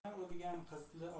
xotini o'lgan qizli